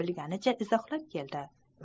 bilganicha izohlab keldi